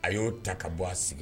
A y'o ta ka bɔ a sigi